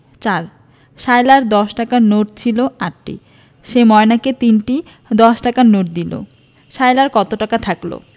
৪ সায়লার দশ টাকার নোট ছিল ৮টি সে ময়নাকে ৩টি দশ টাকার নোট দিল সায়লার কত টাকা থাকল